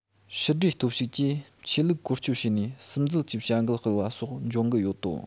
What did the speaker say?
ཕྱི དགྲའི སྟོབས ཤུགས ཀྱིས ཆོས ལུགས བཀོལ སྤྱོད བྱས ནས སིམ འཛུལ གྱི བྱ འགུལ སྤེལ བ སོགས འབྱུང གི ཡོད དོ